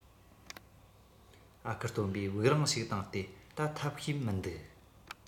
ཨ ཁུ སྟོན པས དབུགས རིང ཞིག བཏང སྟེ ད ཐབས ཤེས མིན འདུག